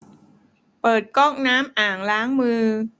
เปิดก๊อกน้ำอ่างล้างมือ